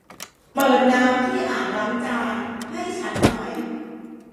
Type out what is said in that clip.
เปิดน้ำที่อ่างล้างจานให้ฉันหน่อย